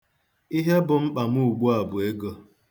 Ihe bụ mkpa m ugbu a bụ ego.